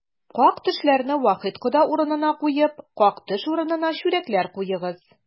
Как-төшләрне Вахит кода урынына куеп, как-төш урынына чүрәкләр куеңыз!